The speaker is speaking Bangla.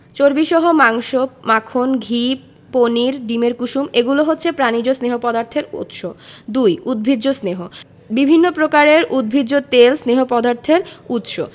চর্বিসহ মাংস মাখন ঘি পনির ডিমের কুসুম এগুলো হচ্ছে প্রাণিজ স্নেহ পদার্থের উৎস ২. উদ্ভিজ্জ স্নেহ বিভিন্ন প্রকারের উদ্ভিজ তেল স্নেহ পদার্থের উৎস